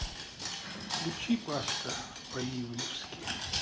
включи паста по ивлевски